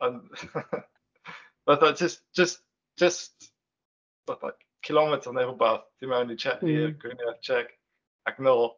Ond roedd o jyst jyst jyst fatha kilometr neu rwbath i mewn i Tsie-... i Gweriniaeth Tsiec ac nôl.